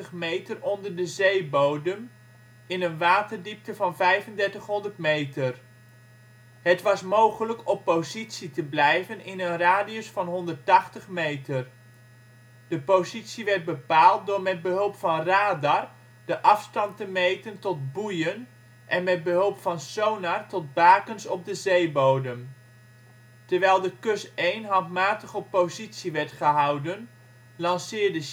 meter onder de zeebodem in een waterdiepte van 3500 meter. Het was mogelijk op positie te blijven in een radius van 180 meter. De positie werd bepaald door met behulp van radar de afstand te meten tot boeien en met behulp van sonar tot bakens op de zeebodem. Terwijl de Cuss 1 handmatig op positie werd gehouden, lanceerde